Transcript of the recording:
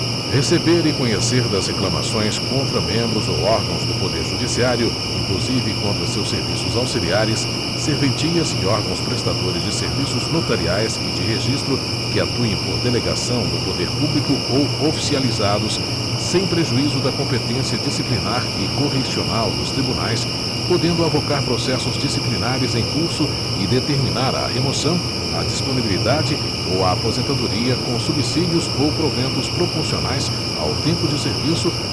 receber e conhecer das reclamações contra membros ou órgãos do poder judiciário inclusive contra seus serviços auxiliares serventias e órgãos prestadores de serviços notariais e de registro que atuem por delegação do poder público ou oficializados sem prejuízo da competência disciplinar e correicional dos tribunais podendo avocar processos disciplinares em curso e determinar a remoção a disponibilidade ou a aposentadoria com subsídios ou proventos proporcionais ao tempo de serviço